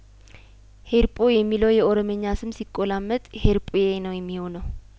ሂር ጶ የሚለው የኦሮምኛ ስም ሲቆላ መጥ ሂርጱዬ ነው የሚሆነው